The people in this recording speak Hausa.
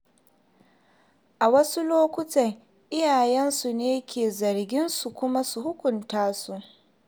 A wasu lokutan, iyalansu ne ke zarginsu kuma su hukunta su.